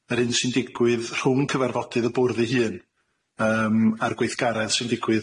yr hyn sy'n digwydd rhwng cyfarfodydd y bwrdd 'i hun, yym, a'r gweithgaredd sy'n digwydd